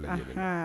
Aɔn